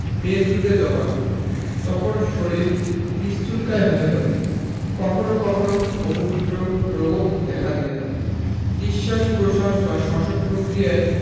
মেদরুপে জমা হয় তখন শরীর স্থুলকায় হতে পারে কখনো কখনো বহুমূত্র রোগও দেখা দিতে পারে নিঃশ্বাস প্রশ্বাস বা শ্বসন প্রক্রিয়ায়